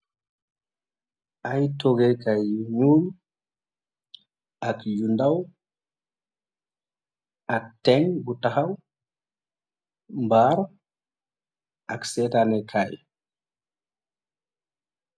Ay toogé kaay yu ñuul, ak yu ndaw, ak teng bu taxaw, mbaar, ak seetane Kaay.